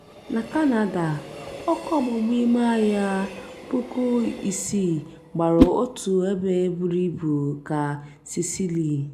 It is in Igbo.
Na Kanada, ọkụ ọgbụgba ịme ọhịa 6000 gbara otu ebe buru ibu ka Sicily.